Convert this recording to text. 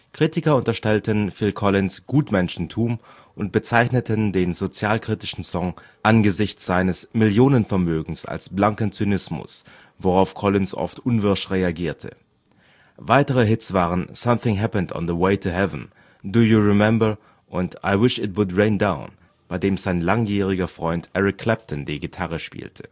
Kritiker unterstellten Phil Collins „ Gutmenschentum “und bezeichneten den sozialkritischen Song angesichts seines Millionen-Vermögens als blanken Zynismus, worauf Collins oft unwirsch reagierte. Weitere Hits waren Something Happened on the Way to Heaven, Do You Remember? und I Wish It Would Rain Down, bei dem sein langjähriger Freund Eric Clapton die Gitarre spielte